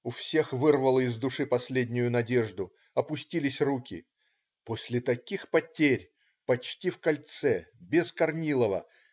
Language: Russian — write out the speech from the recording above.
У всех вырвала из души последнюю надежду. Опустились руки. После таких потерь. Почти в кольце. Без Корнилова.